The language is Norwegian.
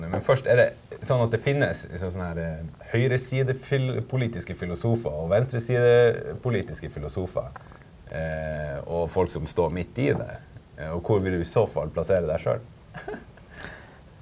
men først er det sånn at det finnes liksom sånn her høyreside politiske filosofer og venstreside politiske filosofer og folk som står midt i det og hvor vil du i så fall plassere deg sjøl?